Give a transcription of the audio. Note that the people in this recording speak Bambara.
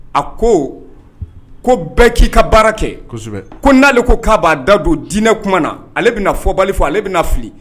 A ko ko bɛɛ k'i ka baara kɛ ko n'ale ko k'a b'a da don diinɛ kuma na ale bɛna fɔ bali fɔ ale bɛ na fili